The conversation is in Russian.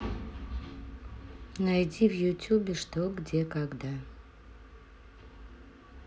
найди в ютубе что где когда